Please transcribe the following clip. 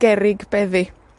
gerrig beddi .